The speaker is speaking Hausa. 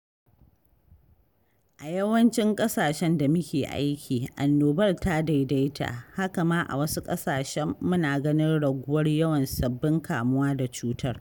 A yawancin ƙasashen da muke aiki, annobar ta daidaita, haka ma a wasu ƙasashen muna ganin raguwar yawan sabbin kamuwa da cutar.